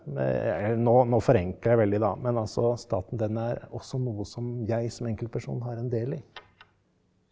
me nå nå forenkler jeg veldig da men altså staten den er også noe som jeg som enkeltperson har en del i.